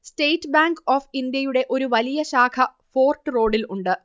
state bank of ഇന്ത്യയുടെ ഒരു വലിയ ശാഖ ഫോർട്ട് റോഡിൽ ഉണ്ട്